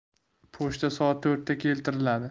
pochta soat to'rtda keltiriladi